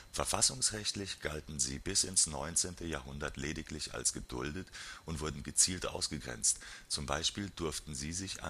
Verfassungsrechtlich galten sie bis ins 19. Jahrhundert lediglich als geduldet und wurden gezielt ausgegrenzt, z. B. durften sie sich